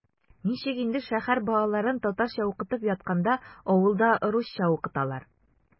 Ничек инде шәһәр балаларын татарча укытып ятканда авылда русча укыталар?!